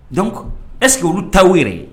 Dɔnku eseke olu ta yɛrɛ